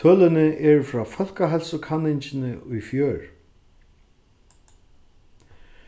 tølini eru frá fólkaheilsukanningini í fjør